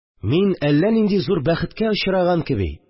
Мин, әллә нинди зур бәхеткә очраган кеби